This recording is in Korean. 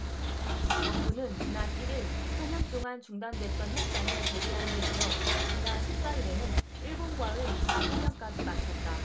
정부는 지난 일 일 사 년 동안 중단됐던 협상을 재개한 데 이어 지난 십 사 일에는 일본과의 가서명까지 마쳤다